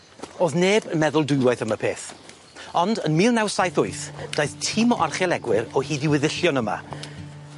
O'dd neb yn meddwl dwywaith am y peth ond ym mil naw saith wyth daeth tîm o archeolegwyr o hyd i weddillion yma.